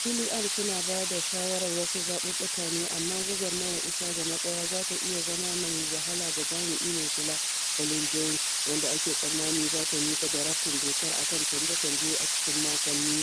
A fili AMs suna ba da shawarar wasu zaɓuɓɓuka ne, amma gwagwarmayar isa ga matsaya za ta iya zama mai wahala ga Jami’i Mai Kula, Elin Jones, wanda ake tsammanin za ta miƙa daftarin dokar a kan canje-canje a cikin makonni.